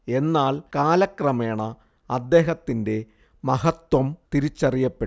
എന്നാൽ കാലക്രമേണ അദ്ദേഹത്തിന്റെ മഹത്ത്വം തിരിച്ചറിയപ്പെട്ടു